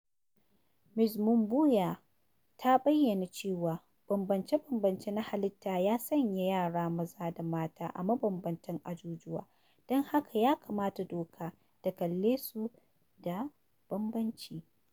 Ms Mbuya ta bayyana cewa bambamce-bambamce na halitta ya sanya yara maza da mata a "mabambamtan ajujuwa" don haka ya kamata doka ta kallesu da bambamci.